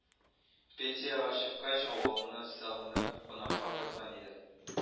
Пенсияга чыккач авылны сагынып кунакка кайткан иде